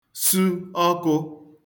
su ọkụ̄